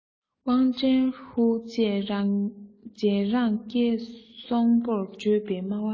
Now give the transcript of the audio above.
ཝང ཀྲེན ཝུའེ བཅས མཇལ རང སྐད སྲོང པོར བརྗོད པའི སྨྲ བ མེད